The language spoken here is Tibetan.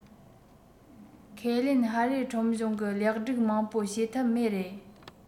ཁས ལེན ཧྭ ཨེར ཁྲོམ གཞུང གི ལེགས སྒྲིག མང པོ བྱས ཐབས མེད རེད